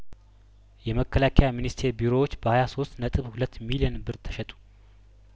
የመከላከያ ሚኒስቴር ቢሮዎች በሀያ ሶስት ነጥብ ሁለት ሚሊየን ብር ተሸጡ